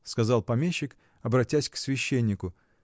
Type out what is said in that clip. — сказал помещик, обратясь к священнику.